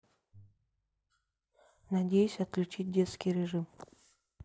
надеюсь отключить детский режим